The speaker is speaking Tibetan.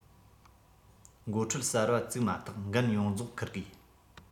འགོ ཁྲིད གསར པ བཙུགས མ ཐག འགན ཡོངས རྫོགས འཁུར དགོས